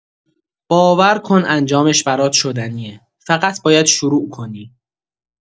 باور کن انجامش برات شدنیه، فقط باید شروع کنی.